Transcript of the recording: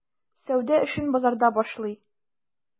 Сәүдә эшен базарда башлый.